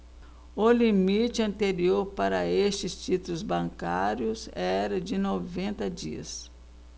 o limite anterior para estes títulos bancários era de noventa dias